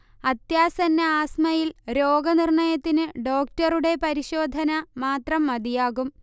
അത്യാസന്ന ആസ്മയിൽ രോഗനിർണയത്തിനു ഡോക്ടറുടെ പരിശോധന മാത്രം മതിയാകും